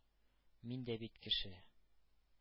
Мин дә бит кеше,